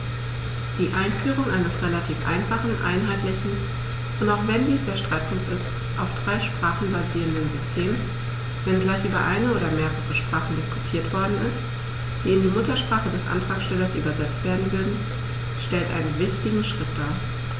Die Einführung eines relativ einfachen, einheitlichen und - auch wenn dies der Streitpunkt ist - auf drei Sprachen basierenden Systems, wenngleich über eine oder mehrere Sprachen diskutiert worden ist, die in die Muttersprache des Antragstellers übersetzt werden würden, stellt einen wichtigen Schritt dar.